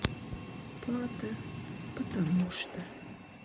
пата потому что